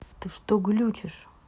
ты что глючишь